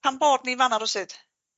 Pam bod ni fan 'na rywsut?